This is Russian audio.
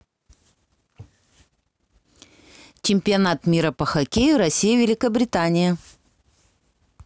чемпионат мира по хокею россия великобритания